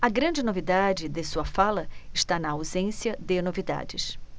a grande novidade de sua fala está na ausência de novidades